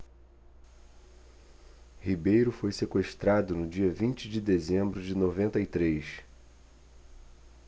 ribeiro foi sequestrado no dia vinte de dezembro de noventa e três